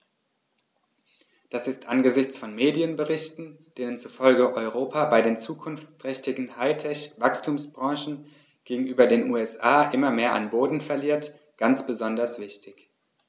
Das ist angesichts von Medienberichten, denen zufolge Europa bei den zukunftsträchtigen High-Tech-Wachstumsbranchen gegenüber den USA immer mehr an Boden verliert, ganz besonders wichtig.